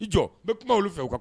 I jɔ bɛ kumaw fɛw kan